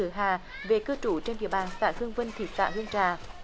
ngự hà về cư trú trên địa bàn xã hương vinh thị xã hương trà